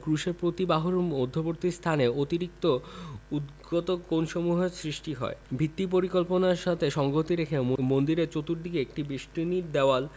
ক্রুশের প্রতি দুই বাহুর মধ্যবর্তী স্থানে অতিরিক্ত উদ্গত কোণসমূহের সৃষ্টি হয় ভিত্তি পরিকল্পনার সাথে সঙ্গতি রেখে মন্দিরের চতুর্দিকে একটি বেষ্টনী দেয়াল